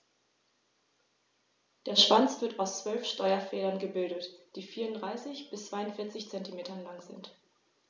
Der Schwanz wird aus 12 Steuerfedern gebildet, die 34 bis 42 cm lang sind.